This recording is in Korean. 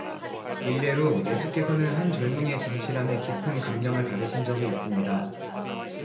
일례로 예수께서는 한 젊은이의 진실함에 깊은 감명을 받으신 적이 있습니다